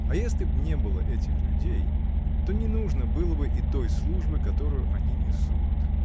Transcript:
И если б не было этих людей, то не нужно было бы и той службы, которую они несут.